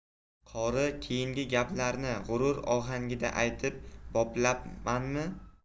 qori keyingi gaplarni g'urur ohangida aytib boplapmanmi